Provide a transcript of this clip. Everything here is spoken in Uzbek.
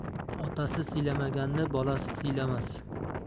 otasi siylamaganni bolasi siylamas